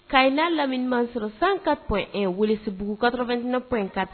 Kayi n'a laminimansuru 104.1 welesebugu 89.4